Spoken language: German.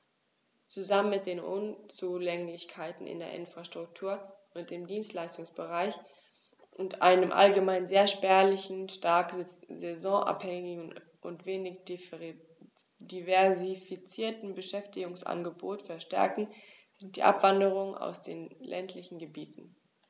Zusammen mit den Unzulänglichkeiten in der Infrastruktur und im Dienstleistungsbereich und einem allgemein sehr spärlichen, stark saisonabhängigen und wenig diversifizierten Beschäftigungsangebot verstärken sie die Abwanderung aus den ländlichen Gebieten.